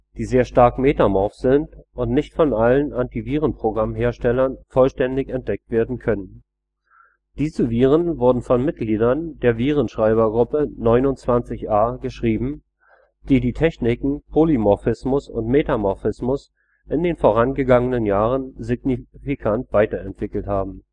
die sehr stark metamorph sind und nicht von allen Antivirenprogrammherstellern vollständig entdeckt werden können. Diese Viren wurden von Mitgliedern der Virenschreibergruppe 29A geschrieben, die die Techniken Polymorphismus und Metamorphismus in den vorangegangenen Jahren signifikant weiterentwickelt haben